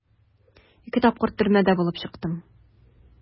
Ике тапкыр төрмәдә булып чыктым.